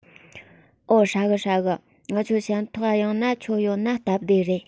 འོ ཧྲ གི ཧྲ གི ངི ཆོ ཞན ཐོག ག ཡོང ན ཁྱོད ཡོང ན ཁྱོད ཡོད ན སྟབས བདེ རེད